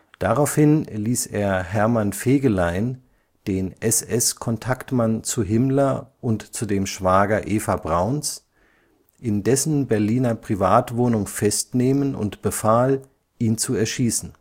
Daraufhin ließ er Hermann Fegelein, den SS-Kontaktmann zu Himmler und zudem Schwager Eva Brauns, in dessen Berliner Privatwohnung festnehmen und befahl, ihn zu erschießen